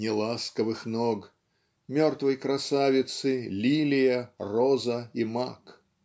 неласковых ног" мертвой красавицы лилия роза и мак